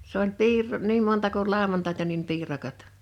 se oli - niin monta kuin lauantaita niin piirakat